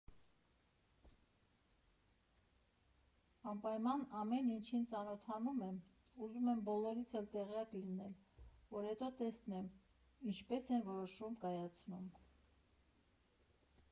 Անպայման ամեն ինչին ծանոթանում եմ, ուզում եմ բոլորից էլ տեղյակ լինել, որ հետո տեսնեմ՝ ինչպես են որոշում կայացնում։